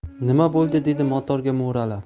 nima bo'ldi dedi motorga mo'ralab